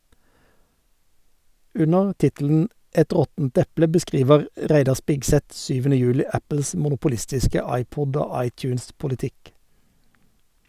Under tittelen "Et råttent eple" beskriver Reidar Spigseth 7. juli Apples monopolistiske iPod- og iTunes-politikk.